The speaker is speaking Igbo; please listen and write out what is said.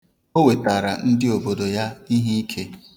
O wetara ndị obodo ya iheike.